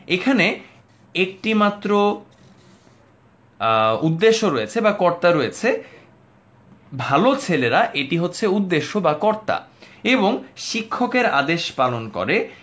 এখানে একটি মাত্র উদ্দেশ্য রয়েছে বা কর্তা রয়েছে ভালো ছেলেরা এটি হচ্ছে উদ্দেশ্য বা কর্তা এবং শিক্ষকের আদেশ পালন করে